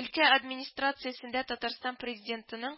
Өлкә администрациясендә Татарстан Президентының